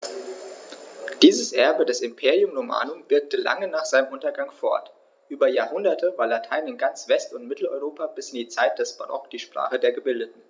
Dieses Erbe des Imperium Romanum wirkte lange nach seinem Untergang fort: Über Jahrhunderte war Latein in ganz West- und Mitteleuropa bis in die Zeit des Barock die Sprache der Gebildeten.